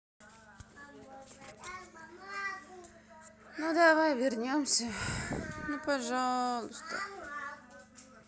ну давай вернемся ну пожалуйста